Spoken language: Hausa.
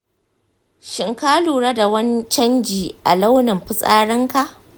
shin ka lura da wani canji a launin fitsarinka?